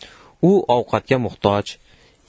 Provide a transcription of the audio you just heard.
u ovqatga muhtoj